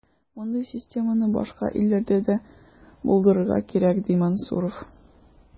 Мондый системаны башка илләрдә дә булдырырга кирәк, ди Мансуров.